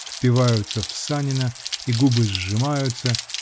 -- впиваются в Санина, и губы сжимаются.